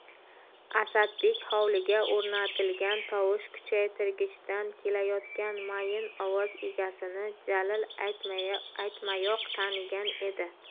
asadbek hovliga o'rnatilgan tovush kuchaytirgichdan kelayotgan mayin ovoz egasini jalil aytmayoq tanigan edi